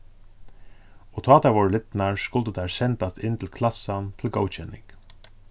og tá tær vóru lidnar skuldu tær sendast inn til klassan til góðkenning